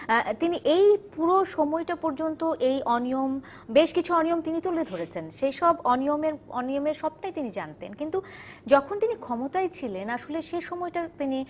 তিনি এই পুরো সময় টা পর্যন্ত এই অনিয়ম বেশ কিছু অনিয়ম তিনি তুলে ধরেছেন সেইসব অনিয়মের অনিয়মের সব টাই তিনি জানতেন কিন্তু যখন তিনি ক্ষমতায় ছিলেন আসলে সে সময় টায় তিনি